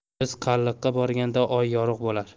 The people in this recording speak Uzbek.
biz qalliqqa borganda oy yorug' bo'lar